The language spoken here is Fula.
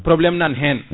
probléme nani hen